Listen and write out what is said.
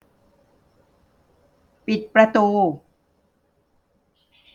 ปิดประตู